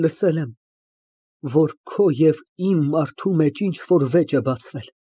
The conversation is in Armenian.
Լսել եմ, որ քո և իմ մարդու մեջ ինչ֊որ վեճ է բացվել։